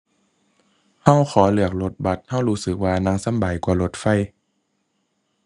เราขอเลือกรถบัส เรารู้สึกว่านั่งสำบายกว่ารถไฟ